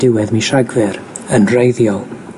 diwedd mis Rhagfyr yn wreiddiol.